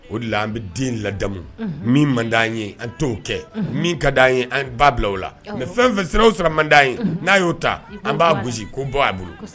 O de la an bɛ den ladamu min man'an ye an t'o kɛ min ka d' an ye an ba bila la mɛ fɛn fɛn sira sera man' ye n'a y'o ta an b'a gosi' bɔ a bolo